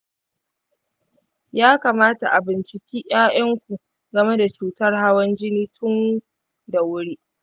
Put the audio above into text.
ya kamata a binciki ƴaƴanku game da cutar hawan-jini tun da wuri